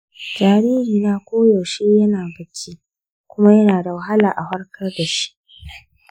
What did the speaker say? jaririna koyaushe yana bacci, kuma yana da wahala a farkar da shi.